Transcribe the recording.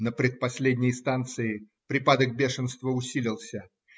На предпоследней станции припадок бешенства усилился